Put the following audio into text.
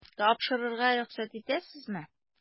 Тапшырырга рөхсәт итәсезме? ..